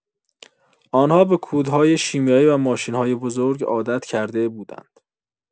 آن‌ها به کودهای شیمیایی و ماشین‌های بزرگ عادت کرده بودند.